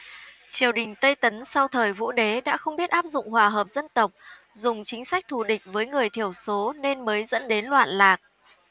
triều đình tây tấn sau thời vũ đế đã không biết áp dụng hòa hợp dân tộc dùng chính sách thù địch với người thiểu số nên mới dẫn đến loạn lạc